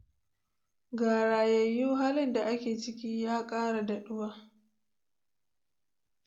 Ga rayayyun, halin da ake ciki ya kara daɗuwa.